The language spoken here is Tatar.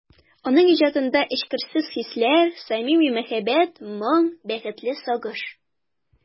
Аның иҗатында эчкерсез хисләр, самими мәхәббәт, моң, бәхетле сагыш...